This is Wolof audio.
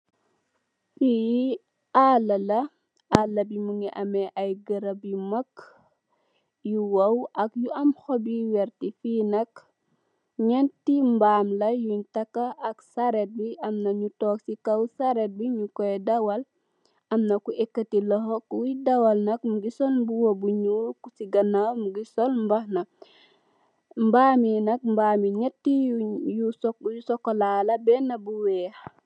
Ii allë la, allë bi mu ngi amee ay garab yu mag, yu wow, ak yu am xobi werta. Fii nak, ñatti mbaam, yuñg takka ak sareetu bi, si kow sareet bi, ñu kooy dawal, am na ku ëkkëti loxo. Kuy dawal xool nak, mu ngi sol mbuba bu ñuul, ku cin ganaaw mu ngi sol mbaxana, mbaam yi nak, mbaam yi ñaati yu sokolaa la, ak beenë bu weex.